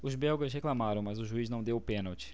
os belgas reclamaram mas o juiz não deu o pênalti